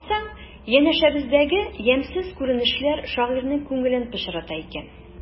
Баксаң, янәшәбездәге ямьсез күренешләр шагыйрьнең күңелен пычрата икән.